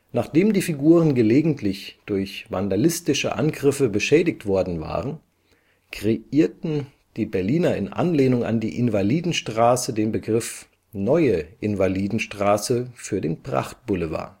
Nachdem die Figuren gelegentlich durch vandalistische Angriffe beschädigt worden waren, kreierten die Berliner in Anlehnung an die Invalidenstraße den Begriff „ Neue Invalidenstraße “für den Prachtboulevard